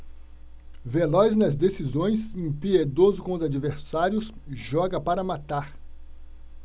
veloz nas decisões impiedoso com os adversários joga para matar